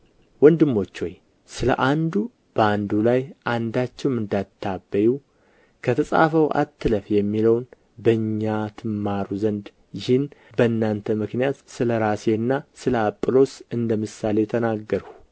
ወንድሞች ሆይ ስለ አንዱ በአንዱ ላይ አንዳችሁም እንዳይታበዩ ከተጻፈው አትለፍ የሚለውን በእኛ ትማሩ ዘንድ ይህን በእናንተ ምክንያት ስለ ራሴና ስለ አጵሎስ እንደ ምሳሌ ተናገርሁ